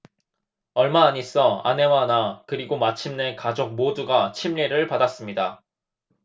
얼마 안 있어 아내와 나 그리고 마침내 가족 모두가 침례를 받았습니다